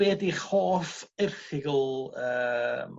...be' ydi'ch hoff erthygl yym